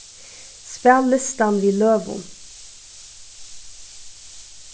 spæl listan við løgum